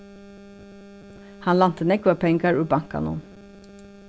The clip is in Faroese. hann lænti nógvar pengar úr bankanum